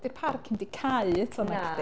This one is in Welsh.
Di'r parc ddim 'di cau eto nacdi.